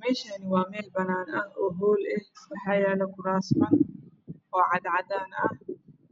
Meeshaan waa meel banaan ah oo hool ah waxaa yaalo kuraasman cadaan